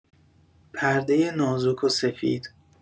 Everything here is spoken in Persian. پرده نازک و سفید